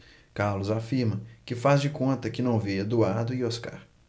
carlos afirma que faz de conta que não vê eduardo e oscar